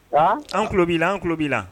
An tulo b'i an tulo b'i la